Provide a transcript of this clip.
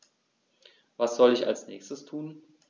Was soll ich als Nächstes tun?